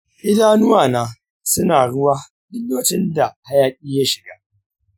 idanuwa na suna ruwa duk lokacin da hayaƙi ya shiga.